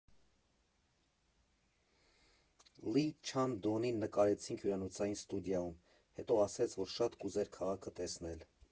Լի Չան֊դոնին նկարեցինք հյուրանոցային ստուդիայում, հետո ասեց, որ շատ կուզեր քաղաքը տեսնել։